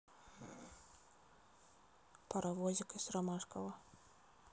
паровозик из ромашково